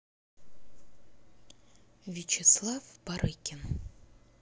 вячеслав барыкин